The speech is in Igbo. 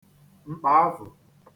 m̀kpàavụ